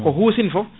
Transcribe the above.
ko husini foof